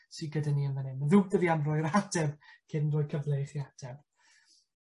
sy gyda ni yn fan 'yn. Ddrwg 'da fi am rhoi'r ateb cyn rhoi cyfle i ch ateb.